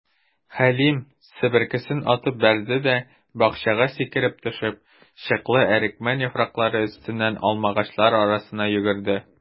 Хәлим, себеркесен атып бәрде дә, бакчага сикереп төшеп, чыклы әрекмән яфраклары өстеннән алмагачлар арасына йөгерде.